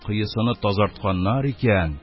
Коесыны тазартканнар икән,